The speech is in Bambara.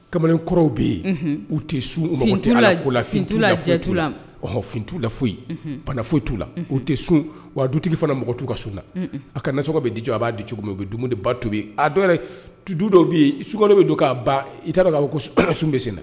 Kamalen kɔrɔw bɛ yen u tɛ sun mɔgɔ la ko lafin ttu latu'u la ɔɔnfintu'u la foyi bana foyi t'u la u tɛ sun wa dutigi fana mɔgɔtuu ka sun na a ka naso bɛ di jɔ a b'a ci cogo min u bɛ dumuni ba tubi a dɔ tu du dɔw bɛ yen skalo bɛ don k'a i taara b'a ko sun bɛ sen na